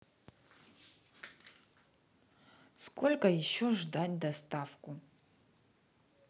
сколько еще ждать доставку